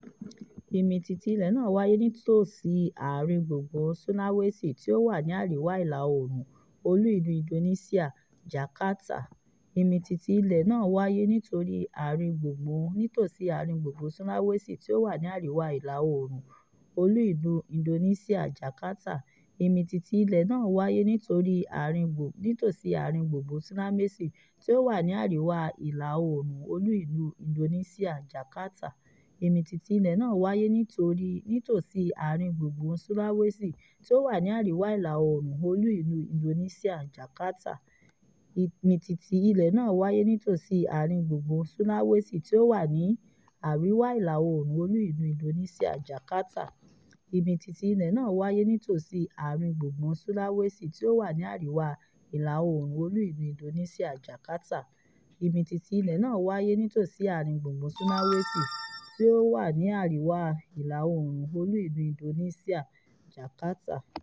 Ìmìtìtì ilẹ̀ náà wáyé nítòsí àárín gbùngbùn Sulawesi tí ó wà ní àríwá ìlà oòrùn olú ìlú Indonesia, Jakarta.